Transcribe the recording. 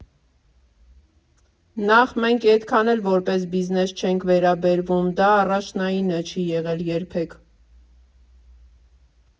Նախ, մենք էդքան էլ որպես բիզնես չենք վերաբերվում, դա առաջնայինը չի եղել երբեք։